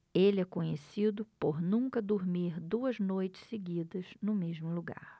ele é conhecido por nunca dormir duas noites seguidas no mesmo lugar